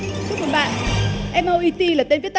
chúc mừng bạn e mo i xi là tên viết